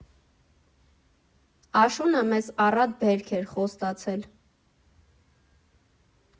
Աշունը մեզ առատ բերք էր խոստացել։